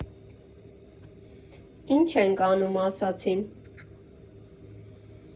«Ի՞նչ ենք անում, ֊ ասացին։